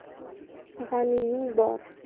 g'animing boor